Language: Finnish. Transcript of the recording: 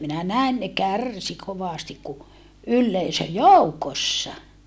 minä näin ne kärsi kovasti kun yleisön joukossa